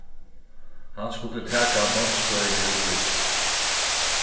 hann skuldi taka námsfrøðiliga útbúgving